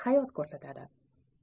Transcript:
hayot ko'rsatadi